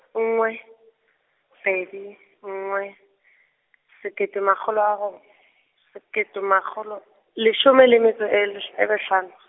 nngwe, pedi, nngwe, sekete makgolo a ro-, sekete makgolo, leshome le metso e lesh- e mehlano.